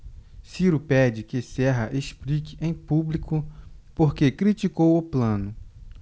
ciro pede que serra explique em público por que criticou plano